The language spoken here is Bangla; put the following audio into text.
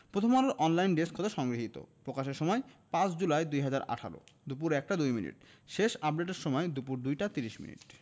প্রথমআলোর অনলাইন ডেস্ক হতে সংগৃহীত প্রকাশের সময় ৫ জুলাই ২০১৮ দুপুর ১টা ২মিনিট শেষ আপডেটের সময় দুপুর ২টা ৩০ মিনিট